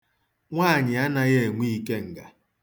Nwaanyị anaghị enwe ikenga.